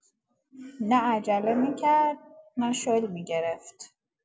نه عجله می‌کرد، نه شل می‌گرفت.